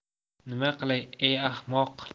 nima qilay ey ahmoq